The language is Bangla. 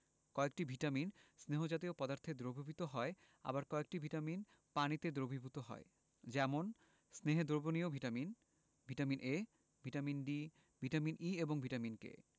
কয়েকটি ভিটামিন স্নেহ জাতীয় পদার্থে দ্রবীভূত হয় আবার কয়েকটি ভিটামিন পানিতে দ্রবীভূত হয় যেমন স্নেহে দ্রবণীয় vitamin vitamin A vitamin D vitamin E ও ভিটামিন কে